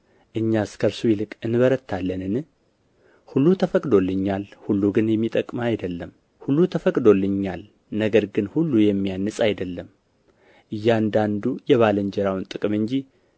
እኛስ ከእርሱ ይልቅ እንበረታለንን ሁሉ ተፈቅዶልኛል ሁሉ ግን የሚጠቅም አይደለም ሁሉ ተፈቅዶልኛል ነገር ግን ሁሉ የሚያንጽ አይደለም እያንዳንዱ የባልንጀራውን ጥቅም እንጂ